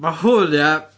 Ma' hwn ia...